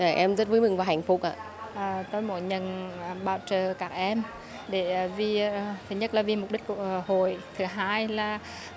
để em rất vui mừng và hạnh phúc ạ tôi muốn nhận bảo trợ các em david thứ nhất là vì mục đích của hội thứ hai là